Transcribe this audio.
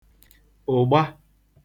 ụ̀gba